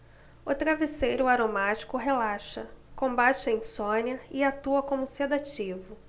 o travesseiro aromático relaxa combate a insônia e atua como sedativo